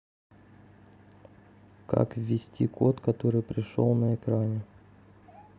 как ввести код который пришел на экране